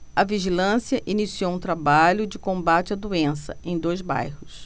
a vigilância iniciou um trabalho de combate à doença em dois bairros